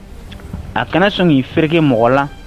A kana sɔn y i f mɔgɔ la